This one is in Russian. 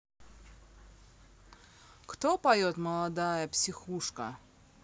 кто поет молодая психушка